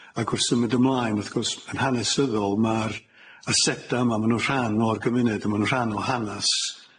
Ag wrth symud ymlaen wrth gwrs, yn hanesyddol ma'r aseda' yma, ma' nw'n rhan o'r gymuned a ma' nw'n rhan o hanas